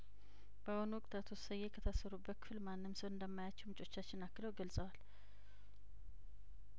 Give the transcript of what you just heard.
ባሁኑ ወቅት አቶ ሰዬ ከታሰሩበት ክፍል ማንም ሰው እንደማያያቸው ምንጮቻችን አክለው ገልጸዋል